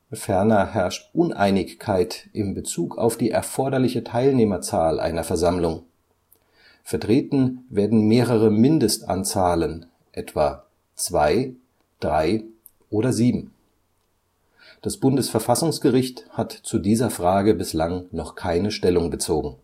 Ferner herrscht Uneinigkeit im Bezug auf die erforderliche Teilnehmerzahl einer Versammlung. Vertreten werden mehrere Mindestanzahlen, etwa zwei, drei oder sieben. Das Bundesverfassungsgericht hat zu dieser Frage bislang noch keine Stellung bezogen